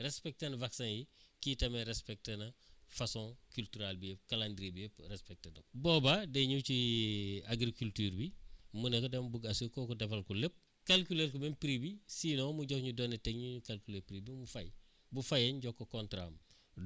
respecter na vaccin yi kii tamit respecter na façon culturale bi yëpp calendrier bi yëpp respecter na ko boobaa day ñëw ci agriculture bi mu ne ko dama bugg assur kooku defal ko lépp calculer ko même prix bi sinon mu jox ñu données techniques ñu calculer prix bi mu fay bu fayee ñu jox ko contrat am